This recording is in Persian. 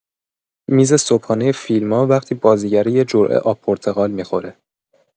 میز صبحانۀ فیلما وقتی بازیگره یه جرعه آب پرتقال می‌خوره